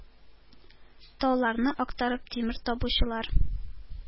Тауларны актарып тимер табучылар,